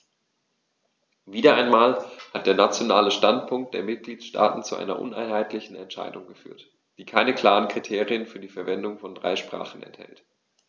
Wieder einmal hat der nationale Standpunkt der Mitgliedsstaaten zu einer uneinheitlichen Entscheidung geführt, die keine klaren Kriterien für die Verwendung von drei Sprachen enthält.